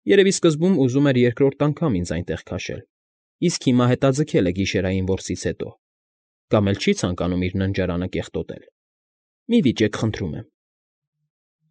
Երևի սկզբում ուզում էր երկրորդ անգամ ինձ այնտեղ քաշել, իսկ հիմա հետաձգել է գիշերվային որսից հետո կամ էլ չի ցանկանում իր ննջարանը կեղտոտել, մի՛ վիճեք, խնդրում եմ։